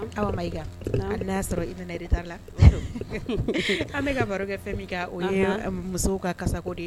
'a sɔrɔ i bɛna de taara la an bɛka ka barokɛ fɛn min o musow ka kasako de ye